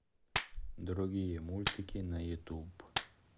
другие мультики на ютуб